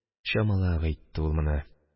Чамалап әйтте ул моны.